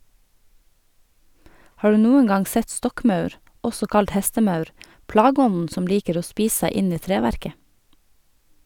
Har du noen gang sett stokkmaur, også kalt hestemaur, plageånden som liker å spise seg inn i treverket?